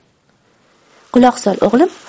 quloq sol o'g'lim